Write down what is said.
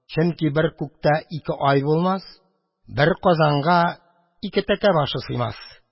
Чөнки бер күктә ике ай булмас, бер казанга ике тәкә башы сыймас.